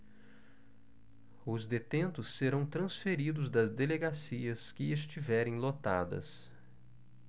os detentos serão transferidos das delegacias que estiverem lotadas